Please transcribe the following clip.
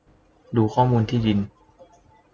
ดูข้อมูลที่ดิน